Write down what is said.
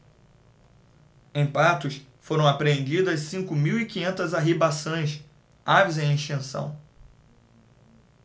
em patos foram apreendidas cinco mil e quinhentas arribaçãs aves em extinção